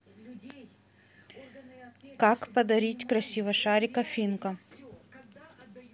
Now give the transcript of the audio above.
как подарить красиво шарик афинка